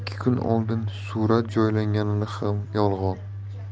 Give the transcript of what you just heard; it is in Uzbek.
kun oldin surat joylangani ham yolg'on